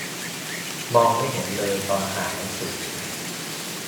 มองไม่เห็นเลยตอนอ่านหนังสือ